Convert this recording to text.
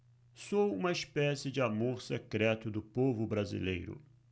sou uma espécie de amor secreto do povo brasileiro